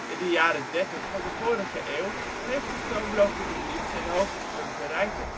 de jaren ' 30 van de vorige eeuw heeft de stoomlocomotief zijn hoogtepunt bereikt